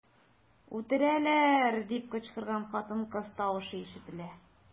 "үтерәләр” дип кычкырган хатын-кыз тавышы ишетелә.